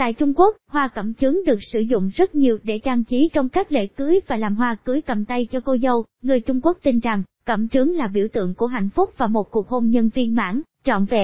tại trung quốc hoa cẩm chướng được sử dụng để trang trí trong lễ cưới và làm hoa cầm tay cho cô dâu họ tin rằng cẩm chướng là biểu tượng cho cuộc hôn nhân viên mãn trọn vẹn